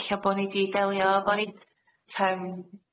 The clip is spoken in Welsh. Ella bo' ni 'di delio efo eitem...